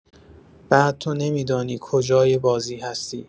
بعد تو نمی‌دانی کجای بازی هستی.